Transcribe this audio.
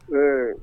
Un